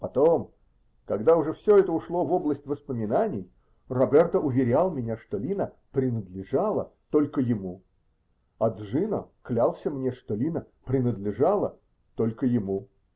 Потом, когда уже все это ушло в область воспоминаний, Роберто уверял меня, что Лина "принадлежала" только ему, а Джино клялся мне, что Лина "принадлежала" только ему.